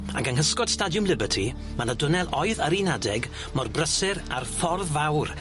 Ag yng nghysgod Stadiwm Liberty ma' 'ny dwnnel oedd ar un adeg mor brysu â'r ffordd fawr